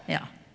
ja.